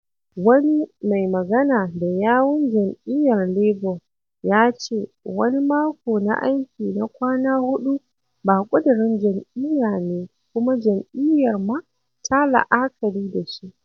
Wani mai magana da yawun Jam'iyyar Labour ya ce: Wani mako na aiki na kwana huɗu ba ƙudurin jam'iyya ne kuma jam'iyyar ma ta la'akari da shi.'